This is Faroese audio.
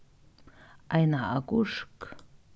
eina agurk